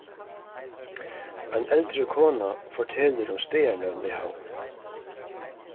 ein eldri kona fortelur um staðarnøvn í havn